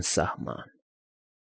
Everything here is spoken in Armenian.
Անսահման։